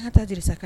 A taasa